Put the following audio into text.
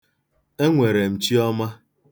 Enwere m chiọma.